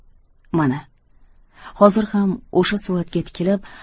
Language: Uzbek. mana hozir ham o'sha suratga tikilib